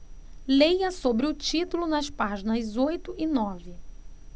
leia sobre o título nas páginas oito e nove